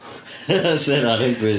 'Sa hynna'n rybish.